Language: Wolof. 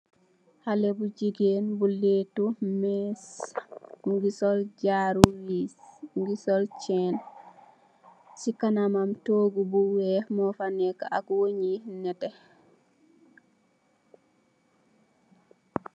Hale bu jigeen bu leetu mes, mingi sol jaaro wees, mingi sol ceen, si kanam togu bu weex mo fa neka, ak waaj yu nete